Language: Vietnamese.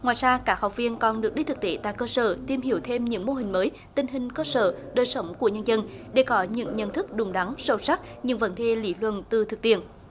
ngoài ra các học viên còn được đi thực tế tại cơ sở tìm hiểu thêm những mô hình mới tình hình cơ sở đời sống của nhân dân để có những nhận thức đúng đắn sâu sắc những vấn đề lý luận từ thực tiễn